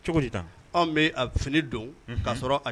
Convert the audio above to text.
Bɛ fini don